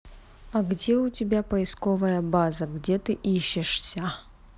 а где у тебя поисковая база где ты ищешься